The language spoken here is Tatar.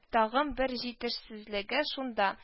Тагын бер җитешсезлеге шунда: